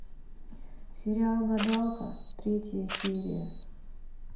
сериал гадалка третья серия